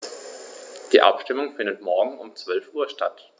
Die Abstimmung findet morgen um 12.00 Uhr statt.